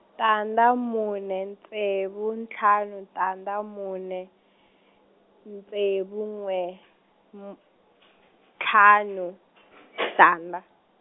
tandza mune ntshevo ntalo tandza mune, ntshevo nwe m- , thlanu tandza.